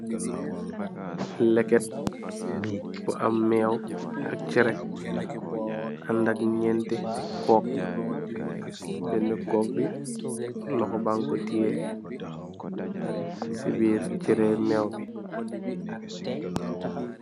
Leket bu am mue ak chere anda nenti cok bena cok bi loho ban ko tek si birr chere mue bi.